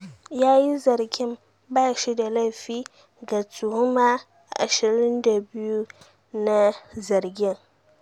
Ya yi zargin ba shi da laifi ga tuhuma 22 na zargin.